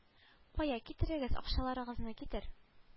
Кая китерегез акчаларыгызны китер